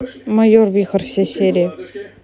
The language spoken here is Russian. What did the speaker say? майор вихрь все серии